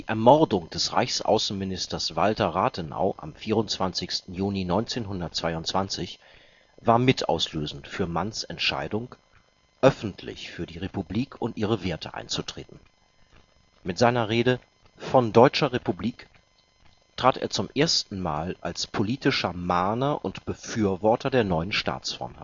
Ermordung des Reichsaußenministers Walther Rathenau am 24. Juni 1922 war mitauslösend für Manns Entscheidung, öffentlich für die Republik und ihre Werte einzutreten. Mit seiner Rede Von deutscher Republik trat er zum ersten Mal als politischer Mahner und Befürworter der neuen Staatsform